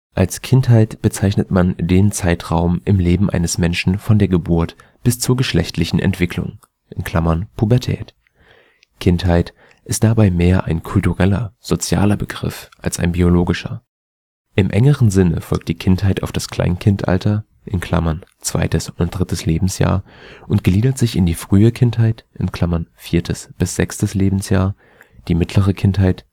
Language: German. Als Kindheit bezeichnet man den Zeitraum im Leben eines Menschen von der Geburt bis zur geschlechtlichen Entwicklung (Pubertät). Kindheit ist dabei mehr ein kultureller, sozialer Begriff als ein biologischer. Im engeren Sinne folgt die Kindheit auf das Kleinkindalter (2. und 3. Lebensjahr) und gliedert sich in die frühe Kindheit (4. – 6. Lebensjahr), die mittlere Kindheit